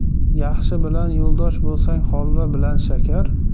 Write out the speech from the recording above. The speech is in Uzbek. yaxshi bilan yo'ldosh bo'lsang holva bilan shakar